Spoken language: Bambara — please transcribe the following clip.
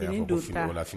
, do saa